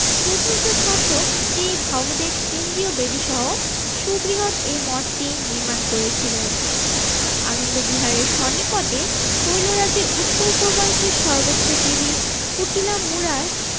চতুর্থ শাসক শ্রী ভবদেব কেন্দ্রীয় বেদিসহ সুবৃহৎ এই মঠটি নির্মাণ করেছিলেন আনন্দ বিহার এর সন্নিকটে শৈলরাজির উত্তর পূর্বাংশের সর্বোচ্চ ঢিবি কুটিলা মুড়ায়